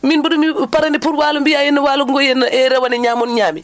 min mboɗo mi parani pour waalo biyaa henna waalo ngo henna e rawane ñaamon ñaami